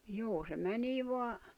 juu se menee vain